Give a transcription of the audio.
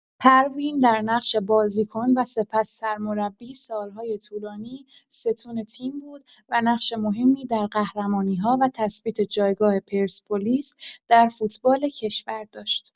پروین در نقش بازیکن و سپس سرمربی، سال‌های طولانی ستون تیم بود و نقش مهمی در قهرمانی‌ها و تثبیت جایگاه پرسپولیس در فوتبال کشور داشت.